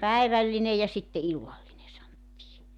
päivällinen ja sitten illallinen sanottiin